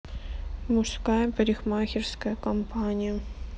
мужская парикмахерская компания